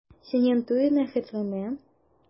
Синең туеңа хәтлеме?